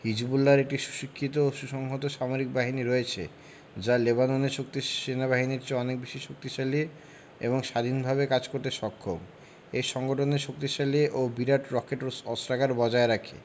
হিজবুল্লাহর একটি সুশিক্ষিত ও সুসংহত সামরিক বাহিনী রয়েছে যা লেবাননের শক্তি সেনাবাহিনীর চেয়েও অনেক বেশি শক্তিশালী এবং স্বাধীনভাবে কাজ করতে সক্ষম এই সংগঠনের শক্তিশালী ও বিশাল রকেট অস্ত্রাগার বজায় রাখে